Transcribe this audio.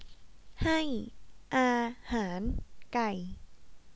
ให้อาหารไก่